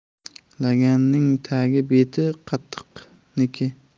laganning tagi beti qattiqniki